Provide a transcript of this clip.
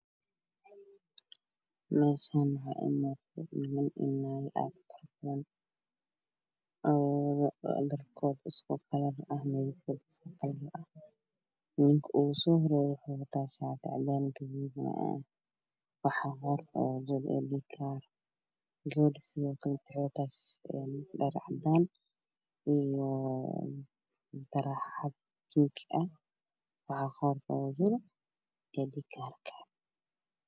Meeshaan waxaa imaaday niman iyo naago aad u qurux badan oo dharkood isku kalar ah midakoodka isku kalar ah. Ninka ugu soo horeeyo waxuu wataa shaati cadaan iyo gaduud ah waxaa qoorta uga jira aydhii kaar gabdha sidoo kale waxay wadataa dhar cadaan ah iyo tareexad binki ah waxaa qoorto ugu jiro aydhij kaarka.